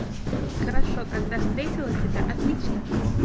хорошо когда встретила тебя отлично